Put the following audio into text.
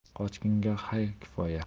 qochqinga hay kifoya